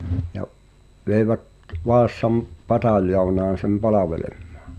ja veivät Vaasan pataljoonaan sen palvelemaan